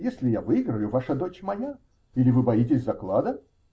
Если я выиграю, ваша дочь моя. Или вы боитесь заклада?